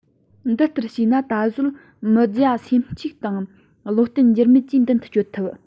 འདི ལྟར བྱས ན ད གཟོད མི བརྒྱ སེམས གཅིག དང བློ བརྟན འགྱུར མེད ཀྱིས མདུན དུ བསྐྱོད ཐུབ